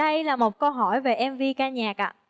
đây là một câu hỏi về em vi ca nhạc ạ